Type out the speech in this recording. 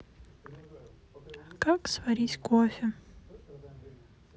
как сварить кофе